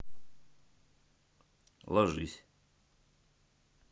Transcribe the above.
ложись